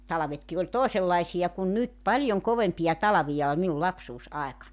talvetkin oli toisenlaisia kuin nyt paljon kovempia talvia oli minun lapsuusaikanani